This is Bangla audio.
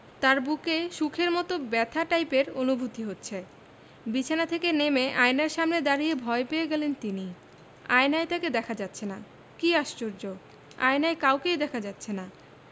তাঁর বুকে সুখের মতো ব্যথা টাইপের অনুভূতি হচ্ছে বিছানা থেকে নেমে আয়নার সামনে দাঁড়িয়ে ভয় পেয়ে গেলেন তিনি আয়নায় তাঁকে দেখা যাচ্ছে না কী আশ্চর্য আয়নায় কাউকেই দেখা যাচ্ছে না